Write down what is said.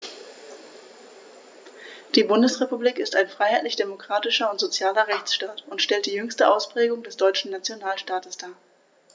Die Bundesrepublik ist ein freiheitlich-demokratischer und sozialer Rechtsstaat und stellt die jüngste Ausprägung des deutschen Nationalstaates dar.